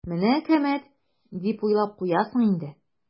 "менә әкәмәт" дип уйлап куясың инде.